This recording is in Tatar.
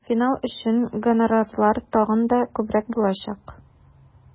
Финал өчен гонорарлар тагын да күбрәк булачак.